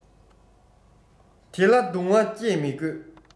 དེ ལ གདུང བ བསྐྱེད མི དགོས